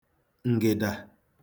ǹgị̀dà